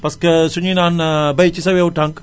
parce que suñuy naan bay ci say we wu tànk